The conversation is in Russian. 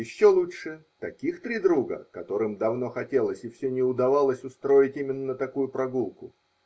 Еще лучше -- таких три друга, которым давно хотелось и все не удавалось устроить именно такую прогулку.